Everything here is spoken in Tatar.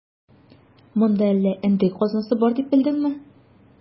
Монда әллә әндри казнасы бар дип белдеңме?